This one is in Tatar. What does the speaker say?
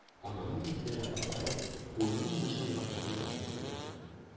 Ананың хисләре кузгалып, улының начар яклары да онытылды.